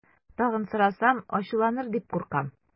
Тагын сорасам, ачуланыр дип куркам.